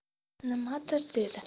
nimadir dedi